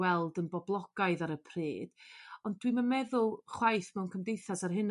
weld yn boblogaidd ar y pryd ond dwi'm yn meddwl chwaith mewn cymdeithas ar hyn